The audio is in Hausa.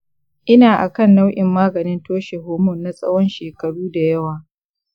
ina akan nau'in maganin toshe hormone na tsawon shekaru da yawa